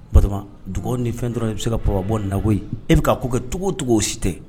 Ba dug ni fɛn dɔrɔn i bɛ se ka pbɔ lakɔ e bɛ ka'u kɛ cogo cogo o si tɛ